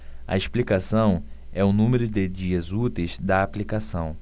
a explicação é o número de dias úteis da aplicação